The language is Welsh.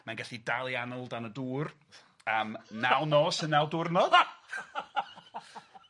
Mae'n gallu dal ei anl dan y dŵr am naw nos a naw diwrnod.